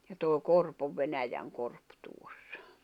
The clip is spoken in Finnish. ja toi korpi on Venäjänkorpi tuossa